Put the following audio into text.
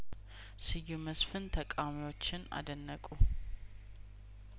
ስዩም መስፍን ተቃውሞዎችን አደነቁ